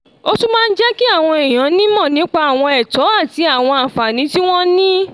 Ó tún máa ń jẹ́ kí àwọn ènìyàn nímọ̀ nípa àwọn ẹ̀tọ̀ àti àwọn àǹfààní tí wọ́n ní.